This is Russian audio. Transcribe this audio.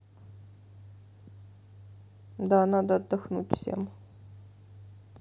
да надо отдохнуть всем